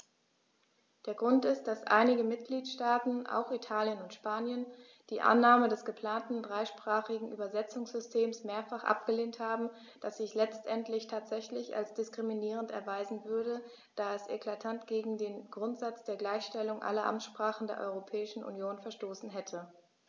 Der Grund ist, dass einige Mitgliedstaaten - auch Italien und Spanien - die Annahme des geplanten dreisprachigen Übersetzungssystems mehrfach abgelehnt haben, das sich letztendlich tatsächlich als diskriminierend erweisen würde, da es eklatant gegen den Grundsatz der Gleichstellung aller Amtssprachen der Europäischen Union verstoßen hätte.